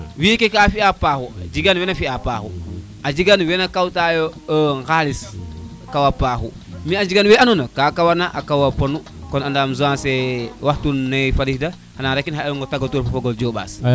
weke ka fiyan paaxu jegan wena fiya paaxu a jegna wena kaw tayo ŋalis a kawa paaxu mais jegan we andona ka ka kawan a kawa ponu kon andam Zancier waxtu ne wadida xana rek im xaƴong o tagatoox fogo Jobaas